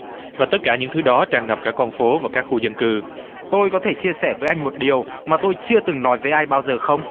và tất cả những thứ đó tràn ngập cả con phố và các khu dân cư tôi có thể chia sẻ với anh một điều mà tôi chưa từng nói với ai bao giờ không